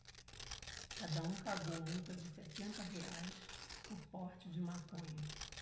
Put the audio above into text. cada um pagou multa de setenta reais por porte de maconha